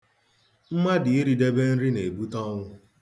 Mmadụ iridebe nri na-ebute ọnwụ.